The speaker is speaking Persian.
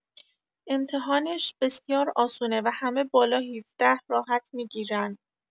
امتحانش بسیار آسونه و همه بالا ۱۷ راحت می‌گیرن